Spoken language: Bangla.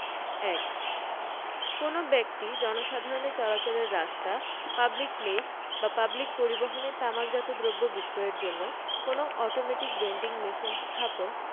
১ কোন ব্যক্তি জনসাধারণের চলাচলের রাস্তা পাবলিক প্লেস বা পাবলিক পরিবহণে তামাকজাত দ্রব্য বিক্রয়ের জন্য কোন অটোমেটিক ভেন্ডিং মেশিন স্থাপন